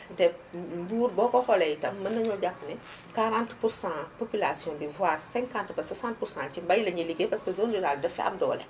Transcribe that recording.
te Mbour boo ko xoolee itam mën nañoo jàpp ne 40% population bi voire 50 ba 60% ci mbay lañuy liggéey parce que zone rurale bi dafa fi am doole